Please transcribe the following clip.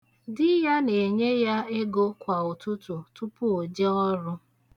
Di ya na-enye ya ego kwa ụtụtụ tupu o je orụ.